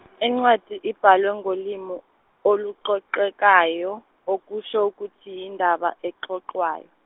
incwadi ibhalwe ngolimi, oluxoxekayo, okusho ukuthi yindaba exoxwayo.